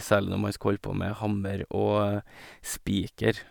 Særlig når man skal holde på med hammer og spiker.